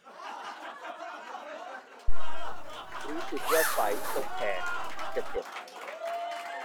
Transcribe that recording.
รู้สึกว่าไฝตรงแขนจะเจ็บ